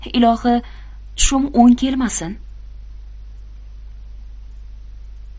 ilohi tushim o'ng kelmasin